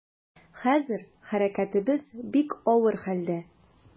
Хәзер хәрәкәтебез бик авыр хәлдә.